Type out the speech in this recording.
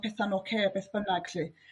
petha'n oce beth bynnag 'llu.